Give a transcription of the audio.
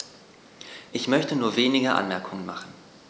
Ich möchte nur wenige Anmerkungen machen.